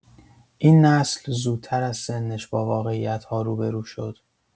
این نسل زودتر از سنش با واقعیت‌ها روبه‌رو شد.